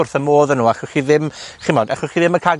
wrth 'y modd â nw. Allwch chi ddim, chi 'mod, allwch chi ddim yn ca'l